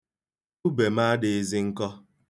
Ube m adịghzị nkọ?